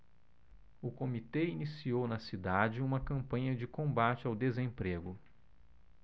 o comitê iniciou na cidade uma campanha de combate ao desemprego